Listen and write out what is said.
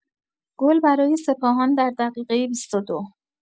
گل برای سپاهان در دقیقه ۲۲